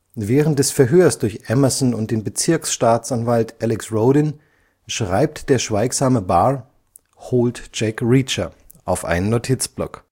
Während des Verhörs durch Emerson und den Bezirks-Staatsanwalt Alex Rodin schreibt der schweigsame Barr „ Holt Jack Reacher “auf einen Notizblock